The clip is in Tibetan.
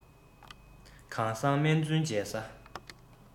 གང བཟང སྨན བཙུན མཇལ ས